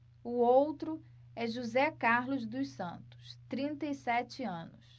o outro é josé carlos dos santos trinta e sete anos